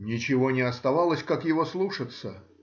Ничего не оставалось, как его слушаться